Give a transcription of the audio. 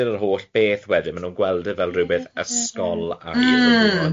yr holl beth wedyn maen nhw'n gweld e fel rywbeth ysgol mm.